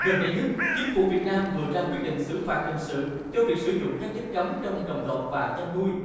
gần đây nhất chính phủ việt nam vừa ra quyết định xử phạt hình sự cho việc sử dụng các chất cấm trong trồng trọt và chăn nuôi